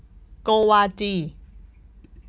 โกวาจี